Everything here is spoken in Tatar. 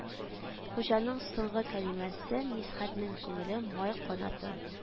Хуҗаның соңгы кәлимәсе Мисхәтнең күңелен май канаты